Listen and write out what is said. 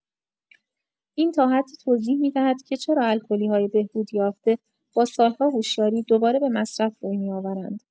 این تا حدی توضیح می‌دهد که چرا الکلی‌های بهبودیافته با سال‌ها هوشیاری دوباره به مصرف روی می‌آورند.